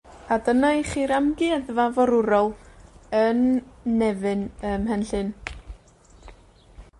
A dyna i chi'r Amgueddfa Forwrol yn Nefyn, ym Mhenllyn.